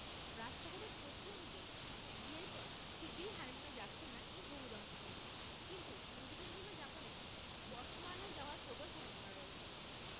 রাজপ্রাসাদের তথ্য অনুযায়ী বিয়ের পর শিগগিরই হানিমুনে যাচ্ছেন না এই হবু দম্পতি কিন্তু মধুচন্দ্রিমা যাপনে বটসওয়ানা যাওয়ার প্রবল সম্ভাবনা রয়েছে